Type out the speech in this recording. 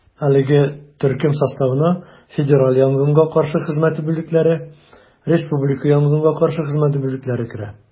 Әлеге төркем составына федераль янгынга каршы хезмәте бүлекләре, республика янгынга каршы хезмәте бүлекләре керә.